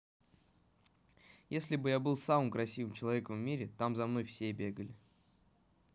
если бы я был самым красивым человеком в мире там за мной все бегали